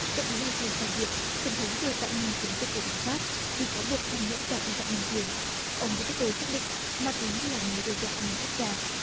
động thái này theo sau việc tổng thống vừa tạm ngưng chiến dịch của cảnh sát vì cáo buộc tham nhũng và vi phạm nhân quyền ông đu téc tê xác định ma túy là mối đe dọa an ninh quốc gia